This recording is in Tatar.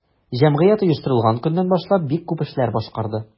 Җәмгыять оештырылган көннән башлап бик күп эшләр башкарды.